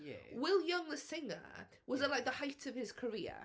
Ie... Will Young, the singer, was at like the height of his career.